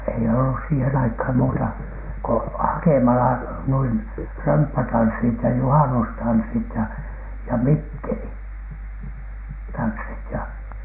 ei ollut siihen aikaan muuta kuin hakemalla noin römppätanssit ja juhannustanssit ja ja - mikkelitanssit ja